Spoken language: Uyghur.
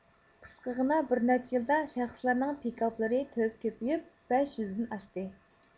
قىسقىغىنا بىر نەچچە يىلدا شەخسلەرنىڭ پىكاپلىرى تېز كۆپىيىپ بەش يۈزدىن ئاشتى